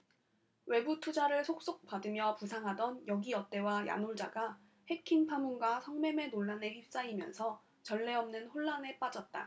외부투자를 속속 받으며 부상하던 여기어때와 야놀자가 해킹 파문과 성매매 논란에 휩싸이면서 전례 없는 혼란에 빠졌다